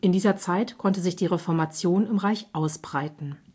dieser Zeit konnte sich die Reformation im Reich ausbreiten